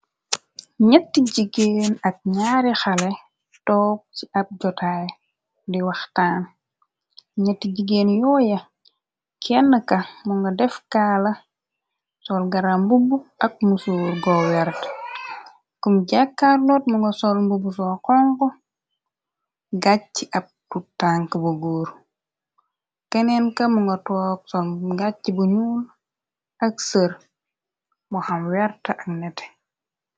Nyetti jigeen ak ñyaari xale toog ci ab jotaay di wax taan gñetti jigeen yoo ya kenn ka mu nga def kaala sol garam bubb ak musuur go werta kum jaakaar loot mu nga sor mbubb so xong gaj ci ab tu tank bu guur keneen ka mu nga toog son gacc bu ñuul ak sër mu xam wert ak nete.